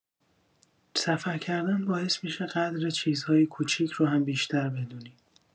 سفر کردن باعث می‌شه قدر چیزهای کوچیک رو هم بیشتر بدونی.